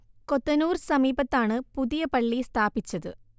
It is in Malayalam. കൊത്തനൂർ സമീപത്താണ് പുതിയ പള്ളി സ്ഥാപിച്ചത്